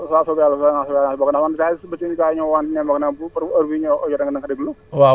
waaw bu sobe Yàlla************